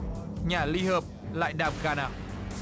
nhả ly hợp lại đạp ga nào